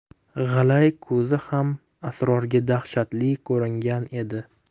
g'ilay ko'zi ham asrorga daxshatli ko'ringan edi